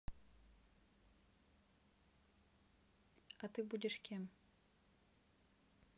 а ты будешь кем